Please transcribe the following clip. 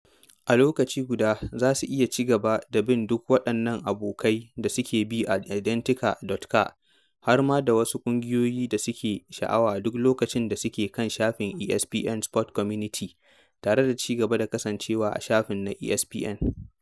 A lokaci guda, za su iya ci gaba da bin duk waɗannan abokai da suke bi a Identi.ca har ma da wasu ƙungiyoyi da suke da sha’awa, duk lokacin da suke kan shafin ESPN sports community, tare da ci gaba da kasancewa a shafin na ESPN.